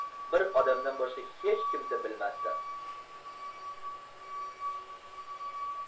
bir odamdan boshqa hech kimsa bilmasdi